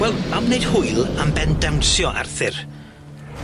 Wel, am wneud hwyl am ben dawnsio Arthur.